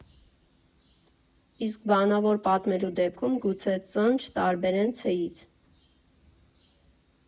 Իսկ բանավոր պատմելու դեպքում գուցե Ծ֊ն չտարբերեն Ց֊ից։